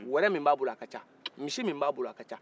wɛrɛ min b'a bolo a kaca misi min b'a bolo a kaca